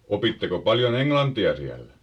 opitteko paljon englantia siellä